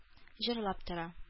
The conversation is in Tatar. Җырлап тора